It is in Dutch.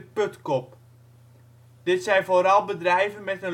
Putkop. Dit zijn vooral bedrijven met